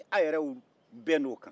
a yɛrɛw bɛnna o kan